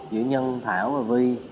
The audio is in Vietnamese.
giữa nhân thảo và vi